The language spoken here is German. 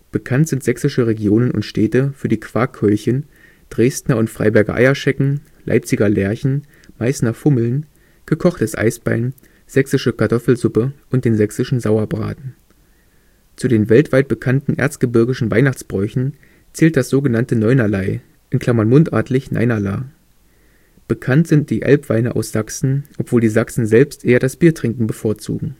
Bekannt sind sächsische Regionen und Städte für die Quarkkäulchen, Dresdner und Freiberger Eierschecken, Leipziger Lerchen, Meißner Fummeln, gekochtes Eisbein, sächsische Kartoffelsuppe und den sächsischen Sauerbraten. Zu den weltweit bekannten erzgebirgischen Weihnachtsbräuchen zählt das so genannte Neunerlei (mundartlich: Neinerlaa). Bekannt sind die Elbweine aus Sachsen, obwohl die Sachsen selbst eher das Biertrinken bevorzugen